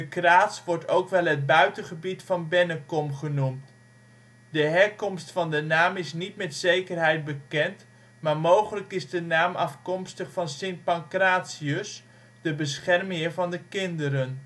Kraats wordt ook wel het " buitengebied " van Bennekom genoemd. De herkomst van de naam is niet met zekerheid bekend, maar mogelijk is de naam afkomstig van Sint Pancratius, de beschermheer van de kinderen